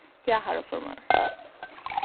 ja harra formaður